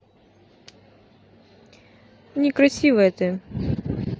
некрасивая ты